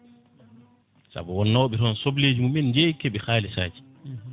saabu won nawɓe toon sobleji mumen jeeyi keeɓi haalisaji